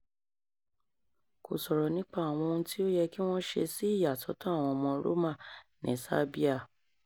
Kò sọ̀rọ̀ nípa àwọn ohun tí ó yẹ kí wọ́n ṣe sí ìyàsọ́tọ̀ àwọn ọmọ Roma ní Serbia.